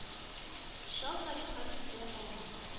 Чал тарихка китә алган